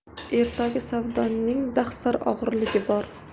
ertagi savdoning dahsar og'irligi bor